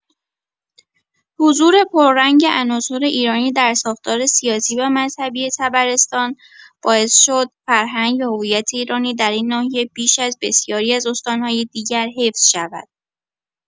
حضور پررنگ عناصر ایرانی در ساختار سیاسی و مذهبی طبرستان باعث شد فرهنگ و هویت ایرانی در این ناحیه بیش از بسیاری از استان‌های دیگر حفظ شود.